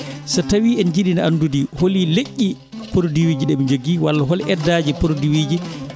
so tawii en njiɗino anndude holi leƴƴi produit ji ɗi ɓe njogii walla hol aide aji produit ji